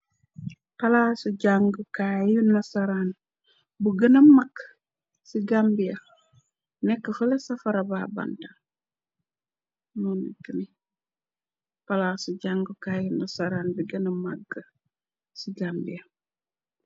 Palasci jangou kaiy la nassaran bou genna makk cii Gambia neka cii falle cii faraba